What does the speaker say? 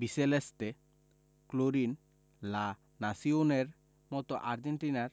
বিসেলেস্তে Clarin La নাসিওনে র মতো আর্জেন্টিনার